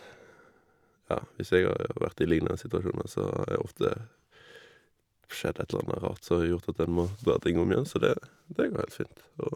Ja, hvis jeg har vært i liknende situasjoner, så har jeg ofte skjedd et eller anna rart som har gjort at en må dra ting om igjen, så det det går heilt fint, og...